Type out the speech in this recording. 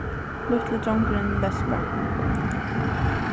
lítli drongurin lespar